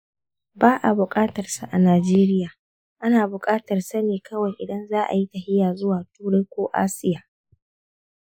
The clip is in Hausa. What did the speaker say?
ba a buƙatarsa a najeriya. ana buƙatarsa ne kawai idan za a yi tafiya zuwa turai ko asiya.